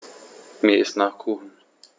Mir ist nach Kuchen.